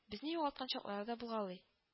Безне югалткан чаклары да булгалый